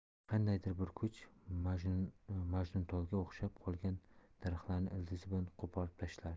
qandaydir bir kuch majnuntolga o'xshab qolgan daraxtlarni ildizi bilan qo'porib tashlardi